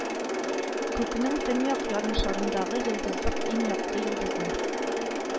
Күкнең Төньяк ярымшарындагы йолдызлык иң якты йолдызы